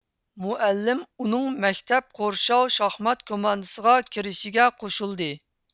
مۇئەللىم ئۇنىڭ مەكتەپ قورشاۋ شاھمات كوماندىسىغا كىرىشىگە قوشۇلدى